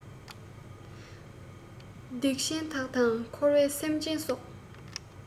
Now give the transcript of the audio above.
སྡིག ཆེན བདག དང འཁོར བའི སེམས ཅན སོགས